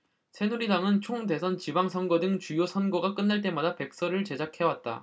새누리당은 총 대선 지방선거 등 주요 선거가 끝날 때마다 백서를 제작해왔다